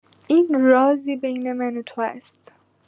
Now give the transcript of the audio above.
این رازی بین من و تو است.